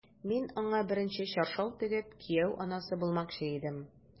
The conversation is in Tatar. Мин аңа беренче чаршау тегеп, кияү анасы булмакчы идем...